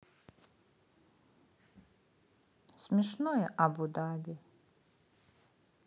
смешное абу даби